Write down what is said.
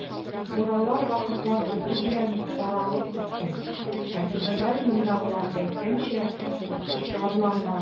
Буралар вакытлар үтү белән каралып беткән, ә түбәләр, мондагылар әйткәнчә, "чаларган".